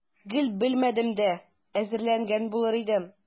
Гел белмәдем дә, әзерләнгән булыр идем.